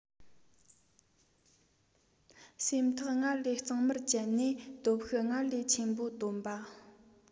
སེམས ཐག སྔར ལས གཙང མར བཅད པ དང སྟོབས ཤུགས སྔར ལས ཆེན པོ བཏོན པ